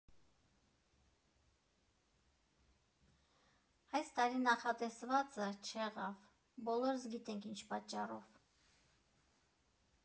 Այս տարի նախատեսվածը չեղավ, բոլորս գիտենք՝ ինչ պատճառով։